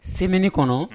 Semni kɔnɔ